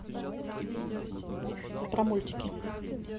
про мультики